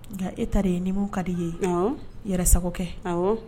Nka e ta de ye ni mun ka di ye. Ɔnhɔn! Yɛrɛ sago kɛ. Awɔ!